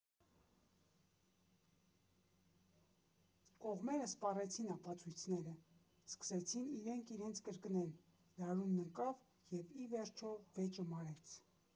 Կողմերը սպառեցին ապացույցները, սկսեցին իրենք իրենց կրկնել, լարումն ընկավ և, ի վերջո, վեճը մարեց։